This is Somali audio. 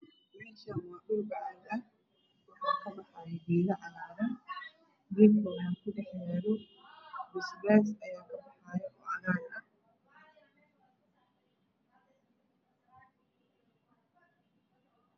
Meshani wa dhul bacaad ah waxa kapaxayo geedo cagaran geed aya ku dhax yaalo paspaas ayaa kabaxaayo oo cagaar ah